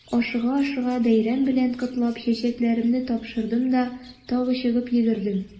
Ашыга-ашыга бәйрәм белән котлап, чәчәкләремне тапшырдым да тагы чыгып йөгердем.